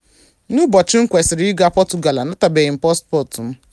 N'ụbọchị m kwesịrị ịga Portugal, anatabeghị m paspọtụ m.